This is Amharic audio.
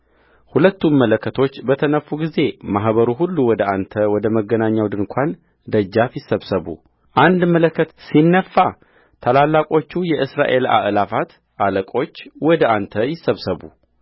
ሁለቱም መለከቶች በተነፉ ጊዜ ማኅበሩ ሁሉ ወደ አንተ ወደ መገናኛው ድንኳን ደጃፍ ይሰብሰቡአንድ መለከት ሲነፋ ታላላቆቹ የእስራኤል አእላፍ አለቆች ወደ አንተ ይሰብሰቡ